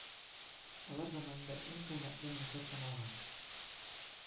Алар заманында иң кыйммәтле мөлкәт саналган